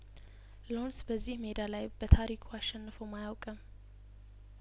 ሎንስ በዚህ ሜዳ ላይ በታሪኩ አሸንፎም አያውቅም